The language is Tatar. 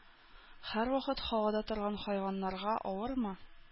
Һәрвакыт һавада торган хайваннарга авырмы?